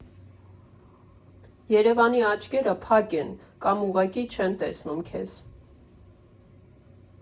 Երևանի աչքերը փակ են կամ ուղղակի չի տեսնում քեզ։